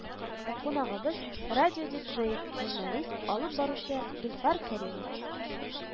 Кунагыбыз – радио ди-джей, журналист, алып баручы Илфар Кәримов